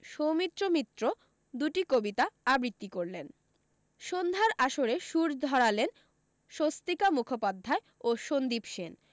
সৌমিত্র মিত্র দুটি কবিতা আবৃত্তি করলেন সন্ধ্যার আসরে সুর ধরালেন স্বস্তিকা মুখোপাধ্যায় ও সন্দীপ সেন